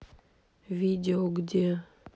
видео где